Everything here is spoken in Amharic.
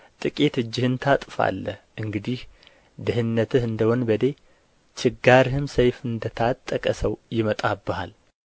ጥቂት እጅህን ታጥፋለህ እንግዲህ ድህነትህ እንደ ወንበዴ ችጋርህም ሰይፍ እንደ ታጠቀ ሰው ይመጣብሃል